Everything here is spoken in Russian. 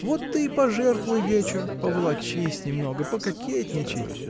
Вот ты и пожертвуй вечер: поволочись немного, пококетничай!